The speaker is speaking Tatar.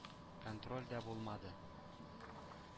Контроль дә булмады.